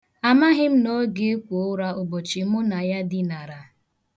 Amaghị m na ọ ga-ekwo ụra ụbọchị mụ na ya dinara.